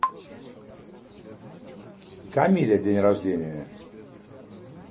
камиля день рождения